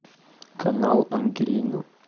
канал ангелина